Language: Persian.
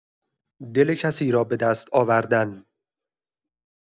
دل کسی را به دست آوردن